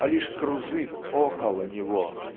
а лишь кружит около него.